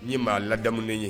N ye maa lajamu ye